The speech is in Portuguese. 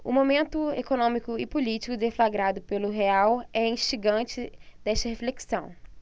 o momento econômico e político deflagrado pelo real é instigante desta reflexão